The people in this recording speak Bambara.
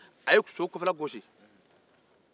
a ye so kɔfɛla gosi